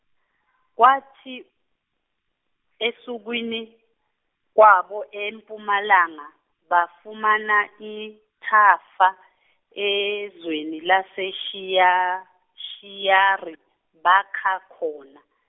Kwathi, ekusukeni, kwabo empumalanga bafumana ithafa ezweni laseShiya- -Shiyari bakha khona.